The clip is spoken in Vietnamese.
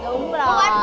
đúng rồi